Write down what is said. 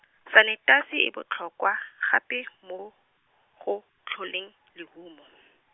sanetasi e botlhokwa gape moro go tlholeng lehumo.